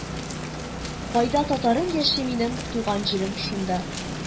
Кайда татарым яши минем туган җирем шунда